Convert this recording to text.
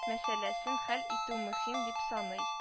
Мәсьәләсен хәл итү мөһим, дип саный